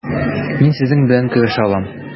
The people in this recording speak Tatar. Мин сезнең белән көрәшә алам.